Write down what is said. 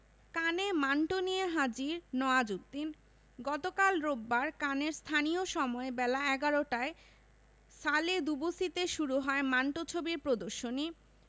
কানে মান্টো নিয়ে হাজির নওয়াজুদ্দিন গতকাল রোববার কানের স্থানীয় সময় বেলা ১১টায় সালে দুবুসিতে শুরু হয় মান্টো ছবির প্রদর্শনী